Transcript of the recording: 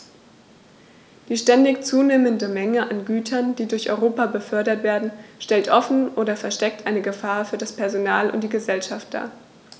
Die ständig zunehmende Menge an Gütern, die durch Europa befördert werden, stellt offen oder versteckt eine Gefahr für das Personal und die Gesellschaft dar.